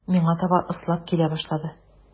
Миңа таба ыслап килә башлады.